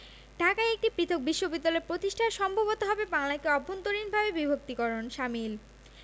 ঢাকায় একটি পৃথক বিশ্ববিদ্যালয় প্রতিষ্ঠা সম্ভবত হবে বাংলাকে অভ্যন্তরীণভাবে বিভক্তির শামিল